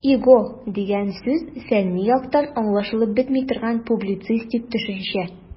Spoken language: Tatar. "иго" дигән сүз фәнни яктан аңлашылып бетми торган, публицистик төшенчә.